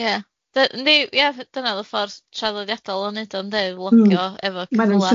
Ia de- yndi ia dyna o'dd y ffordd traddodiadol o neud o ynde, logio efo ceffyla.